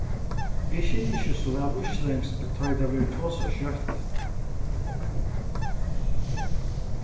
eg skilji ikki so væl íslendskt tá ið tað verður tosað skjótt